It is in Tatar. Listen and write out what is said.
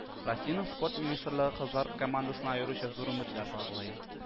Россиянең спорт министрлыгы кызлар командасына аеруча зур өметләр багылый